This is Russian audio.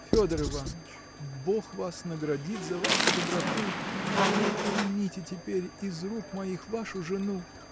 Федор Иваныч, бог вас наградит за вашу доброту, а вы примите теперь из рук моих вашу жену.